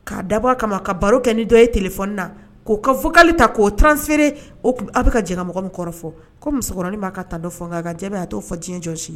K'a dabɔ a kama ka baro kɛ ni dɔ ye téléphone na k'o ka vocal ta k'o transféré a bɛ ka jɛn ka mɔgɔ min kɔrɔ fɔ ko musokɔrɔnin b'a ka fɔ nka a ka jaabi a t'o fɔ diyɛn jɔnsi ye.